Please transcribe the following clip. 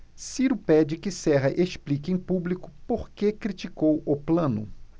ciro pede que serra explique em público por que criticou plano